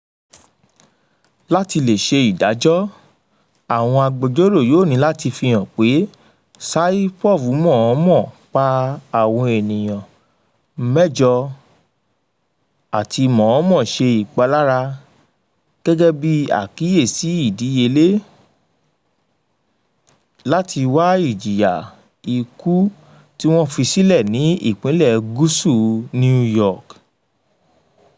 Láti lè mú ìdájọ́ ikú tọ́, àwọn agbẹjọ́rò yóò ní láti fi hàn pé Saipov "láìmọ́" pa àwọn èèyàn mẹ́jọ náà àti pé "láìmọ́" ṣe ìpalára fún ara wọn, gẹ́gẹ́ bí ìfilọ́lẹ̀ láti wá ìdájọ́ ikú, tí wọ́n fi sílẹ̀ ní Ìpínlẹ̀ Gúúsù New York.